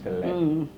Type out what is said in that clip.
mm mm